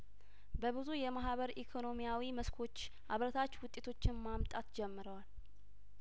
በብዙ የማህበር ኢኮኖሚያዊ መስኮች አበርታች ውጤቶችን ማምጣት ጀምሯል